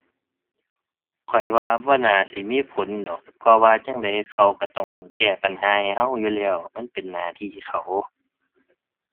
ข้อยว่าบ่น่าสิมีผลดอก เพราะว่าจั่งใดเขาก็ต้องแก้ปัญหาให้เราอยู่แล้ว มันเป็นหน้าที่เขา